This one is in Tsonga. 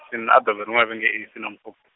va nge i Senwam- .